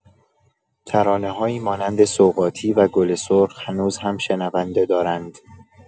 ترانه‌هایی مانند «سوغاتی» و «گل سرخ» هنوز هم شنونده دارند.